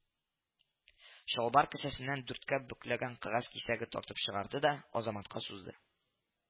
Чалбар кесәсеннән дүрткә бөкләгән кәгазь кисәге тартып чыгарды да азаматка сузды